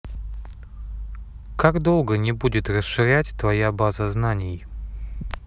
как долго не будет расширять твоя база знаний